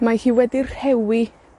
Mae hi wedi rhewi